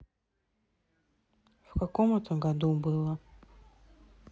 в каком это году было